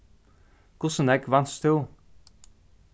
hvussu nógv vanst tú